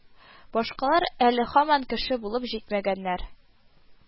Башкалар әле һаман кеше булып җитмәгәннәр